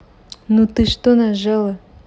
ну ты что нажала